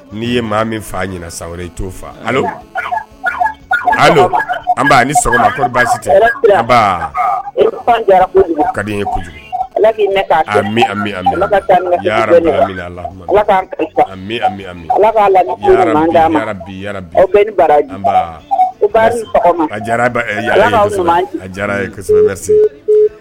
N'i ye maa min fa sa i t'o faa sɔgɔma basi tɛ ka ye